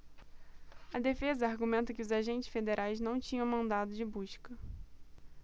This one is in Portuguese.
a defesa argumenta que os agentes federais não tinham mandado de busca